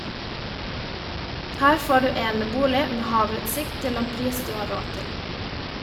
Her får du enebolig med havutsikt til en pris du har råd til.